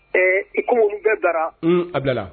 Ɛ iko n bɛɛ bara a bɛ la